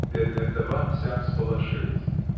Бедная вдова вся всполошилась.